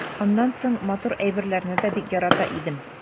Аннан соң матур әйберләрне дә бик ярата идем.